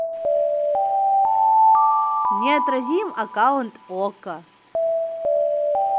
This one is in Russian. неотразим аккаунт okko